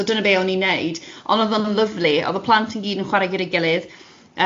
so dyna be o'n i'n 'neud, ond oedd o'n lyfli, oedd y plant i gyd yn chwarae gyda'i gilydd,